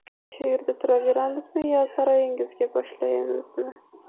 shu yerda turaveramizmi yo saroyingizga boshlaysizmi